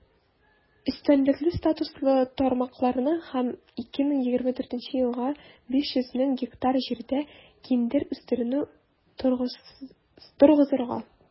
Өстенлекле статуслы тармакларны һәм 2024 елга 500 мең гектар җирдә киндер үстерүне торгызырга.